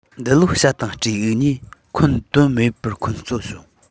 འདི ལོ བྱ དང སྤྲེའུ གཉིས འཁོན དོན མེད པར འཁོན རྩོད བྱུང